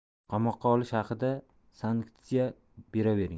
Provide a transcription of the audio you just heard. qamoqqa olish haqida sanktsiya beravering